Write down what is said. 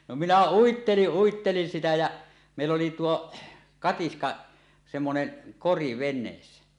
no minä uittelin uittelin sitä ja meillä oli tuo katiska semmoinen kori veneessä